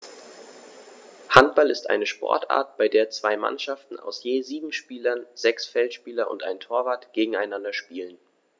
Handball ist eine Sportart, bei der zwei Mannschaften aus je sieben Spielern (sechs Feldspieler und ein Torwart) gegeneinander spielen.